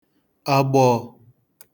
agbọọ̄